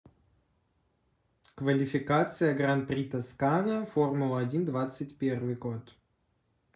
квалификация гран при тоскана формула один двадцать первый год